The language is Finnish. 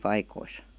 paikkoihin